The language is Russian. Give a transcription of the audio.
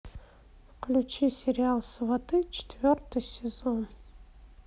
включи сериал сваты четвертый сезон